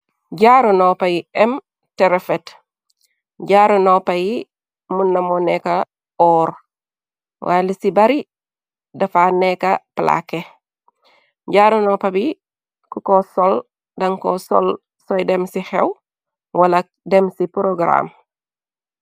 Jaaru noppa yu em teh rafet, jaaru noppa yi mun namo nekka oor waaye li ci bari dafa nekka plakkeh, jaaru noppa bi kuko sol, dankoh sol soy dem ci xew wala dem ci program.